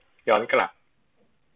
ย้อนกลับ